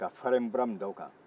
ka farɛmubaramu da o kan